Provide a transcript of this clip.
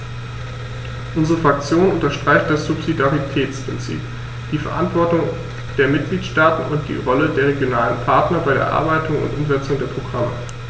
Unsere Fraktion unterstreicht das Subsidiaritätsprinzip, die Verantwortung der Mitgliedstaaten und die Rolle der regionalen Partner bei der Erarbeitung und Umsetzung der Programme.